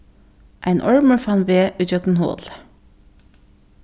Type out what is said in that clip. ein ormur fann veg ígjøgnum holið